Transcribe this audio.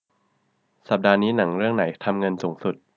สัปดาห์นี้หนังเรื่องไหนทำเงินสูงสุด